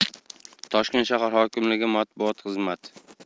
toshkent shahar hokimligi matbuot xizmati